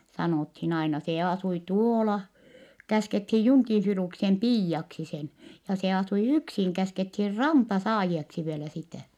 sanottiin aina se asui tuolla käskettiin Junkin Filuksen piiaksi sen ja se asui yksin käskettiin Rampasaajioksi vielä sitä